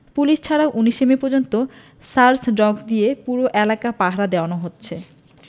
police ছাড়াও ১৯ May পর্যন্ত search dog দিয়ে পুরো এলাকা পাহারা দেওয়ানো হচ্ছে